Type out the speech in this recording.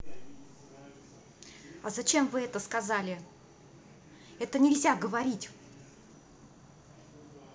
а зачем вы это сказали это нельзя говорить